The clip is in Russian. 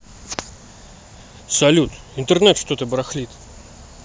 салют интернет что то барахлит